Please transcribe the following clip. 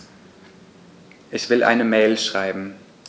Ich will eine Mail schreiben.